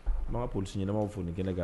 N b'an ka police ɲɛnamaw fɔ ni kɛnɛ kan!